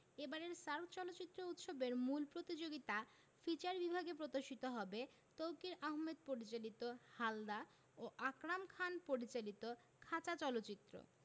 এবারের সার্ক চলচ্চিত্র উৎসবের মূল প্রতিযোগিতা ফিচার বিভাগে প্রদর্শিত হবে তৌকীর আহমেদ পরিচালিত হালদা ও আকরাম খান পরিচালিত খাঁচা চলচ্চিত্র